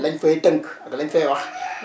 lañ fay tënk ak lañ fay wax